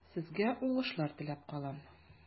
Сезгә уңышлар теләп калам.